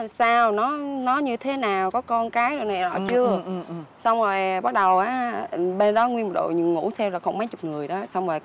sao nó nó nó như thế nào có con cái rồi này nọ chưa xong rồi bắt đầu á bên đó nguyên một đội ngũ seo là cộng mấy chục người đó xong rồi